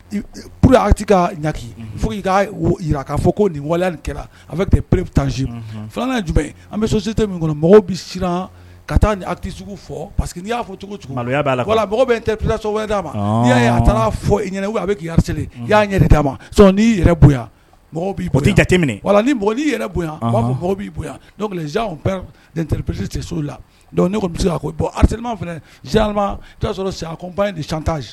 P fo jira k'a fɔ ko nin kɛra a pere taa filanan jumɛn an bɛ sosite min kɔnɔ bɛ ka taa fɔ pa que'i'a fɔ la so'a ma n'i' taara fɔ i a bɛ aras i y'a d'a ma n'i yɛrɛ b'i bɔ jateminɛ wala ni n''a b'i bonya p tɛ so la ne ko bisimilasema san tan